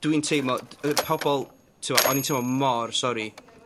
Dwi'n teimlo, yy pobol t'mo', o'n i'n teimlo mor sori